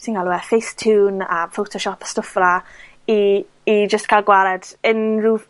tbe' ti'n galw e Facetune a Photoshop, stwff fela i i jyst ca'l gwared unrw